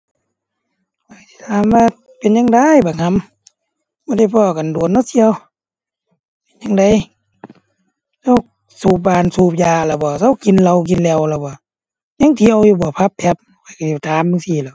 ข้อยสิถามว่า เป็นจั่งใดบักหำ บ่ได้พ้อกันโดนเนาะเสี่ยว เป็นจั่งใด เซาสูบว่านสูบยาแล้วบ่ เซากินเหล้ากินแหล้วแล้วบ่ ยังเที่ยวอยู่บ่ผับแผบ ข้อยก็สิถามจั่งซี้แหล้ว